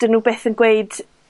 'dyn nw byth yn gweud